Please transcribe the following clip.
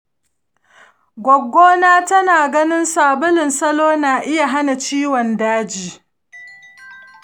goggo na tana ganin sabulun salo na iya hana ciwon daji.